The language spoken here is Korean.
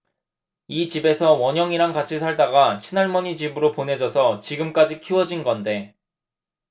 이 집에서 원영이랑 같이 살다가 친할머니 집으로 보내져서 지금까지 키워진 건데